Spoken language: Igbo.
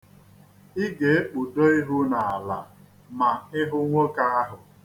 ̣Ị ga-ekpudo ihu n'ala ma ị hụ nwoke ahụ.